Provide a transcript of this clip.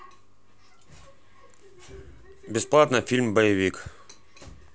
бесплатно фильм боевик